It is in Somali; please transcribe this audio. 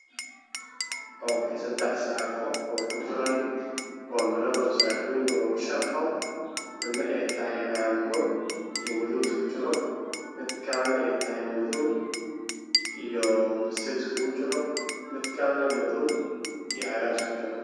Waa carwo waxaa yaalla saakooyin musharax sharax ah oo madow iyo caddaan isku jirjir ah